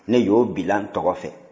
ne y'o bila n tɔgɔ fɛ